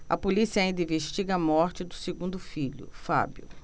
a polícia ainda investiga a morte do segundo filho fábio